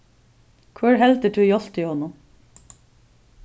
hvør heldur tú hjálpti honum